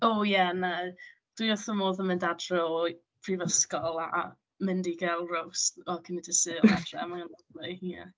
O ie na. Dwi wrth fy modd yn mynd adre o prifysgol a mynd i gael roast o cinio Dydd Sul adra. Ma' hynna'n lyfli, ia.